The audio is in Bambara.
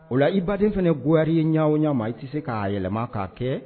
O la i baden fɛnɛ goyar'i ye ɲa o ɲa ma i te se k'a yɛlɛma k'a kɛ